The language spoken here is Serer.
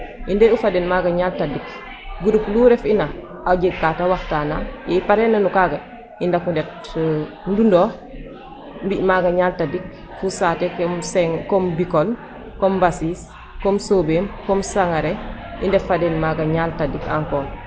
I nde'u fa den maaga ñaal tadik groupe lu ref'ina a jeg ka ta waxtaana ;yee i parena no kaaga i ndako ndet Ndoundoox mbi' magaa ñaal tadik fo saate ke comme Bikol comme Mbasis comme Sobene comme Sangare i ndefa fa den maaga ñaal tadik encore.